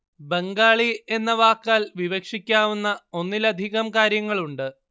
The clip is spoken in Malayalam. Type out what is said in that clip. ബംഗാളി എന്ന വാക്കാൽ വിവക്ഷിക്കാവുന്ന ഒന്നിലധികം കാര്യങ്ങളുണ്ട്